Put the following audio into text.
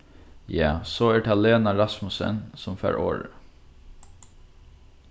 ja so er tað lena rasmussen sum fær orðið